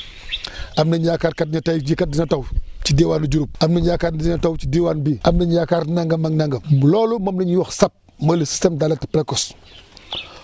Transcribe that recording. am nañ yaakaar kat ne tey jii kat dina taw ci diwaanu Diouroup am nañu yaakaar dina taw ci diwaan bii am nañu yaakaar nangam ak nangam loolu moom la ñuy wax SAP mooy le système d' alerte précoce